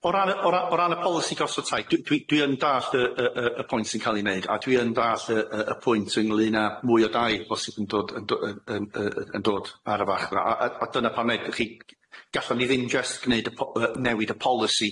O ran yy o ran y polisi gosod tai dwi dwi yn dallt y y y y pwynt sy'n ca'l i neud a dwi yn dallt y y y pwynt ynglŷn â mwy o dai bosib yn dod yn do- yn yn yy yn dod ar y fachnad a a a dyna pam neudwch chi g- gallwn ni ddim jyst gneud y po- yy newid y polisi